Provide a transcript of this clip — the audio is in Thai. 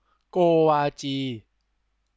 โกวาจี